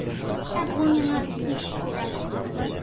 Әмма бу миңа һич кирәк түгел.